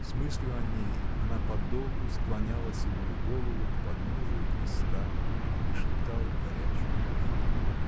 С мыслью о ней она подолгу склоняла седую голову к подножию креста и шептала горячую молитву.